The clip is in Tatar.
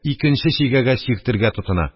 Икенче чигәгә чиртергә тотына,